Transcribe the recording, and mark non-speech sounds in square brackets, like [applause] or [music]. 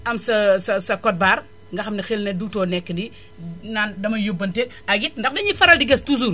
am sa [hesitation] sa sa code barre nga xam ne xéll ne dootoo nekk di naan damay yóbbante ak it ndax dañuy faral di gës toujours